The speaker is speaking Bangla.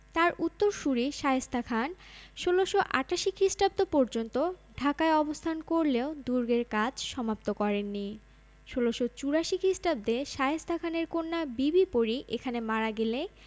তাঁর উত্তরসূরি শায়েস্তা খান ১৬৮৮ খ্রিস্টাব্দ পর্যন্ত ঢাকায় অবস্থান করলেও দুর্গের কাজ সমাপ্ত করেন নি ১৬৮৪ খ্রিস্টাব্দে শায়েস্তা খানের কন্যা বিবি পরী এখানে মারা গেলে